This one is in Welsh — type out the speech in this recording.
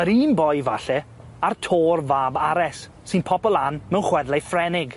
Yr un boi falle, a'r Tor fab Ares, sy'n popo lan mewn chwedlau Ffrenig.